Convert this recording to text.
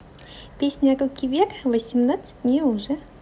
песня руки вверх восемнадцать мне уже